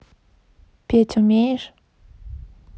петь умеешь